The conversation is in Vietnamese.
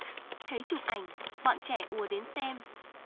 thấy chụp ảnh bọn trẻ ùa đến xem